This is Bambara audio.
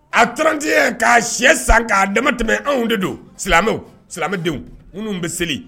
A 31 k'a sɛ san k'a dama tɛmɛ anw de don, silamɛw, silamɛdenw minnu bɛ seli